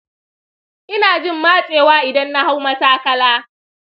ina jin matsewa idan na hau matakala.